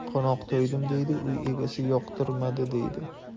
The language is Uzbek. qo'noq to'ydim deydi uy egasi yoqtirmadi deydi